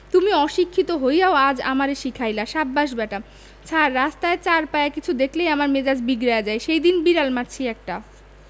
তুমি অশিক্ষিতো হইয়াও আমারে আজ শিখাইলা সাব্বাস ব্যাটা ছার রাস্তায় চাইর পায়া কিছু দেখলেই আমার মেজাজ বিগড়ায়া যায় সেইদিন বিড়াল মারছি একটা